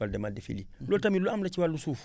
wala demal defi lii